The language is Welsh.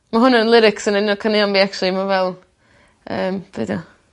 Ma' hwnna'n lyrics yn un o caneuon fi actually ma' fel yym be' 'di o?